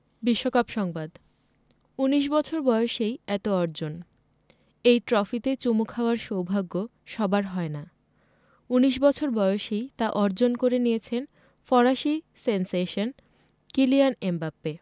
বিশ্বকাপ সংবাদ ১৯ বছর বয়সেই এত অর্জন এই ট্রফিতে চুমু খাওয়ার সৌভাগ্য সবার হয় না ১৯ বছর বয়সেই তা অর্জন করে নিয়েছেন ফরাসি সেনসেশন কিলিয়ান এমবাপ্পে